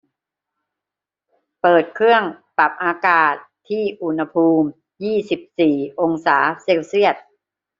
เปิดเครื่องปรับอากาศที่อุณหภูมิยี่สิบสี่องศาเซลเซียส